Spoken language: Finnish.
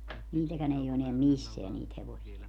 niitäkään ei ole enää missään niitä hevosia